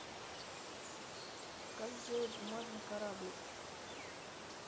как сделать бумажный кораблик